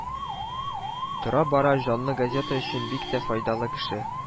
Тора-бара җанлы газета өчен бик тә файдалы кеше